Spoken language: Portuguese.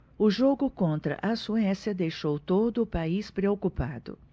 o jogo contra a suécia deixou todo o país preocupado